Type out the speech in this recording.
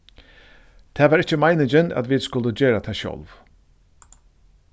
tað var ikki meiningin at vit skuldu gera tað sjálv